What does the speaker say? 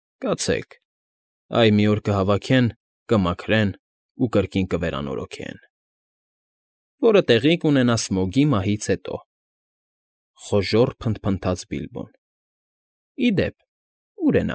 Կացեք, այ մի օր կհավաքեն, կմաքրեն ու կրկին կվերանորոգեն… ֊ Որը տեղի կունենա Սմոգի մահից հետո,֊ խոժոռ փնթփնթաց Բիլբոն։֊ Ի դեպ, ո՞ւր է։